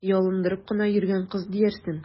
Ялындырып кына йөргән кыз диярсең!